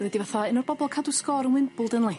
Fy' di fatha un o'r bobol cadw sgôr yn Wimbledon yli.